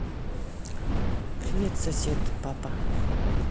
привет сосед папа